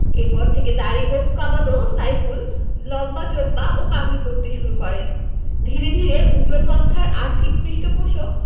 এরপর থেকে দাড়ি গোঁফ কামানো সাইফুল লম্বা জোব্বা ও পাগড়ি পরতে শুরু করেন ধীরে ধীরে উগ্রপন্থার আর্থিক পৃষ্ঠপোষক